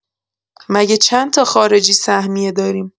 مگه چندتا خارجی سهمیه داریم؟